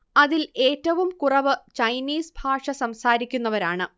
അതിൽ ഏറ്റവും കുറവ് ചൈനീസ് ഭാഷ സംസാരിക്കുന്നവരാണ്